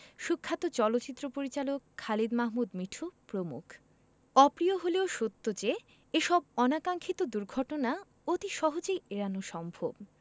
সুখ্যাত চলচ্চিত্র পরিচালক খালিদ মাহমুদ মিঠু প্রমুখ অপ্রিয় হলেও সত্য যে এসব অনাকাক্সিক্ষত দুর্ঘটনা অতি সহজেই এড়ানো সম্ভব